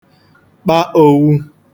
kpa ōwū